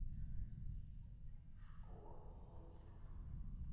школа монстров